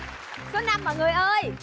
số năm mọi người ơi